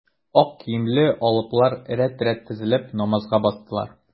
Ак киемле алыплар рәт-рәт тезелеп, намазга бастылар.